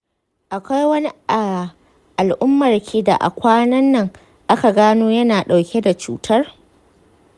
akwai wani a al'ummarki da a kwanannan aka gano yana dauke da cutar?